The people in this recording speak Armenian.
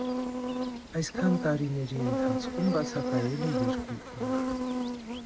Այսքան տարիների ընթացքում բացակայել է երկու օր.